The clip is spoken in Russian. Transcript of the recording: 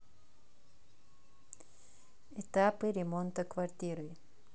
этапы ремонта квартиры